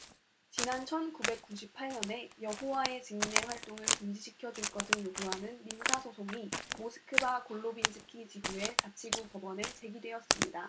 지난 천 구백 구십 팔 년에 여호와의 증인의 활동을 금지시켜 줄 것을 요구하는 민사 소송이 모스크바 골로빈스키 지구의 자치구 법원에 제기되었습니다